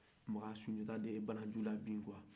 makan sunjata de ye banasun labin kuwa